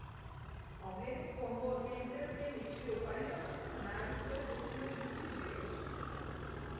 almeida informou que a empresa demitiu quarenta funcionários nos últimos vinte dias